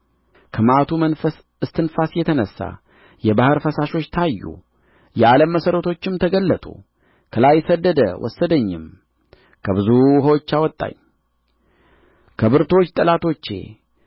ከመዓቱም መንፈስ እስትንፋስ የተነሣ የባሕር ፈሳሾች ታዩ የዓለም መሠረቶችም ተገለጡ ከላይ ሰደደ ወሰደኝም ከብዙ ውኆችም አወጣኝ ከብርቱዎች ጠላቶቼ